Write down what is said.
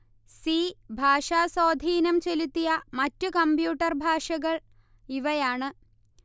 C ഭാഷ സ്വാധീനം ചെലുത്തിയ മറ്റു കമ്പ്യൂട്ടർ ഭാഷകൾ ഇവയാണ്